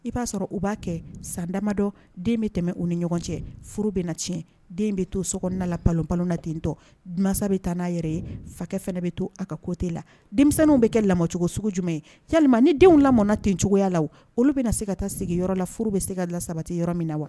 I b'a sɔrɔ u b'a kɛ san damadɔ den bɛ tɛmɛ u ni ɲɔgɔn cɛ furu bɛ na tiɲɛ den bɛ to sok la balo balola ten tɔmansa bɛ taa n'a yɛrɛ ye fakɛ fana bɛ to a ka kote la denmisɛnninw bɛ kɛ lacogo sugu jumɛn ye ni denw la mɔn ten cogoyaya la olu bɛ na se ka taa sigi yɔrɔ la bɛ se ka la sabatɛ yɔrɔ min na wa